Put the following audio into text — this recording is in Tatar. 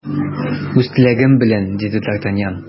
Үз теләгем белән! - диде д’Артаньян.